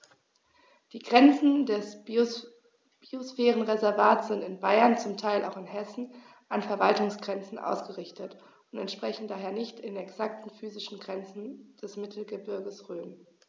Die Grenzen des Biosphärenreservates sind in Bayern, zum Teil auch in Hessen, an Verwaltungsgrenzen ausgerichtet und entsprechen daher nicht exakten physischen Grenzen des Mittelgebirges Rhön.